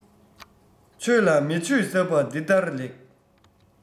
ཆོས ལ མི ཆོས ཟབ པ འདི ལྟར ལེགས